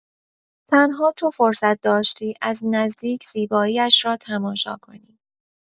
تنها تو فرصت داشتی از نزدیک زیبایی‌اش را تماشا کنی.